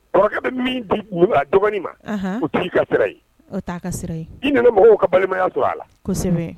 Kɔrɔkɛ bɛ min di u dɔgɔnin ma u toi ka i ni mɔgɔw ka balimaya to a la kosɛbɛ